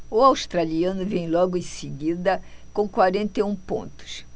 o australiano vem logo em seguida com quarenta e um pontos